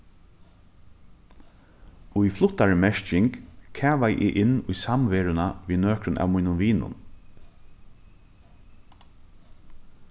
í fluttari merking kavaði eg inn í samveruna við nøkrum av mínum vinum